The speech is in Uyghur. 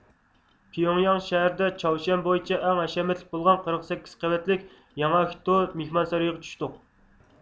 پيۇڭياڭ شەھىرىدە چاۋشيەن بويىچە ئەڭ ھەشەمەتلىك بولغان قىرىق سەككىز قەۋەتلىك ياڭاكدو مېھمانسارىيىغا چۈشتۇق